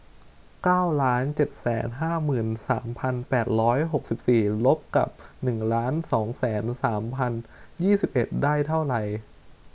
เก้าล้านเจ็ดแสนห้าหมื่นสามพันแปดร้อยหกสิบสี่ลบกับหนึ่งล้านสองแสนสามพันยี่สิบเอ็ดได้เท่าไร